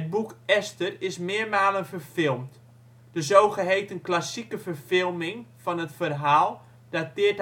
boek Esther is meermalen verfilmd. De zogeheten ' klassieke ' verfilming van het verhaal dateert uit 1960